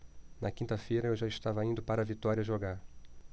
na quinta-feira eu já estava indo para vitória jogar